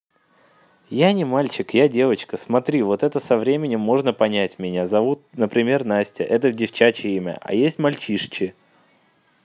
я не мальчик я девочка смотри вот это со времени можно понять меня зовут например настя это девчачье имя а есть мальчишки